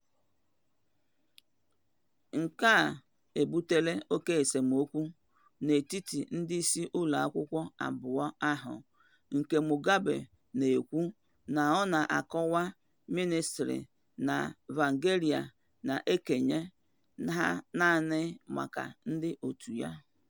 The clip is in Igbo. Nke a ebutela oké esemokwu n'etiti ndị isi ụlọakwụkwọ abụọ ahụ, nke Mugabe na-ekwu na ọ na-akọwa ministrị na Tsvangirai na-ekenye ha naanị maka ndị òtù ya.